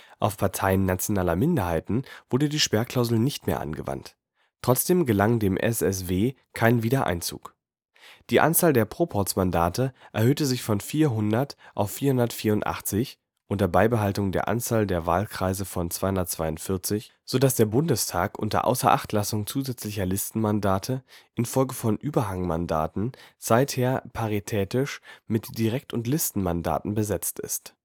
Auf Parteien nationaler Minderheiten wurde die Sperrklausel nicht mehr angewandt; trotzdem gelang dem SSW kein Wiedereinzug. Die Anzahl der Proporzmandate erhöhte sich von 400 auf 484 – unter Beibehaltung der Anzahl der Wahlkreise von 242, so dass der Bundestag unter Außerachtlassung zusätzlicher Listenmandate infolge von Überhangmandaten seither paritätisch mit Direkt - und Listenmandaten besetzt ist